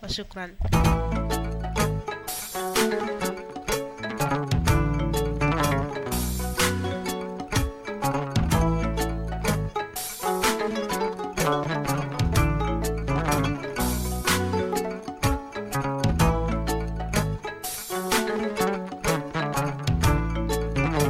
Se